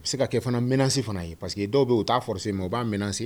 U bɛ se ka kɛ fana minɛnsi fana ye pari que dɔw bɛ u t taa foro se ma u b'asiri